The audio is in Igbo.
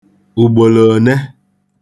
ùgbòlò òne